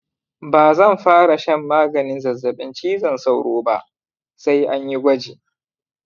ba zan fara shan maganin zazzaɓin cizon sauro ba sai an yi gwaji.